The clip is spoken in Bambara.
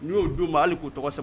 N y'o d’u ma hali k'u tɔgɔsɛbɛ